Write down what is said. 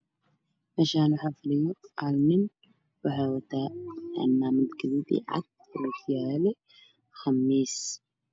Meeshaan waxaa fadhiyo nin waxuu wataa fanaanad gaduud iyo cadaan ah, ookiyaalo iyo qamiis.